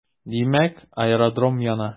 Димәк, аэродром яна.